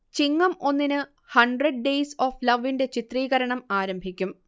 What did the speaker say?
ചിങ്ങം ഒന്നിന് hundred days of ലവിന്റെ ചിത്രീകരണം ആരംഭിക്കും